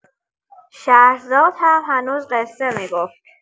شهرزاد هم هنوز قصه می‌گفت.